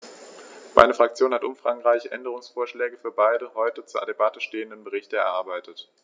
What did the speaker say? Meine Fraktion hat umfangreiche Änderungsvorschläge für beide heute zur Debatte stehenden Berichte erarbeitet.